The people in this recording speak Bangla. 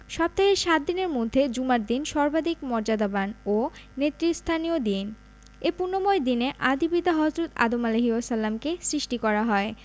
সপ্তাহের সাত দিনের মধ্যে জুমার দিন সর্বাধিক মর্যাদাবান ও নেতৃস্থানীয় দিন এ পুণ্যময় দিনে আদি পিতা হজরত আদম আ কে সৃষ্টি করা হয়